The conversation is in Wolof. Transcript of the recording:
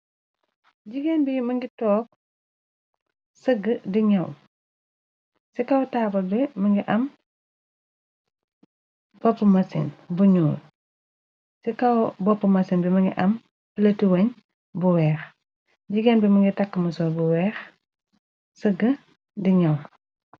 Jigeen bi mungi tok di nyaw ci kaw taabal bi ma ngi am bopi masine bu ñuul cikaw bopp masin bi mëngi am plati weñ bu weex jigéen bi më ngi tàkk mësol sëgg di ñaw.